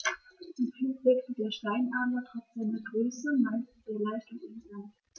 Im Flug wirkt der Steinadler trotz seiner Größe meist sehr leicht und elegant.